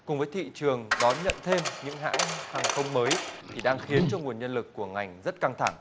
cùng với thị trường đón nhận thêm những hãng hàng không mới thì đang khiến cho nguồn nhân lực của ngành rất căng thẳng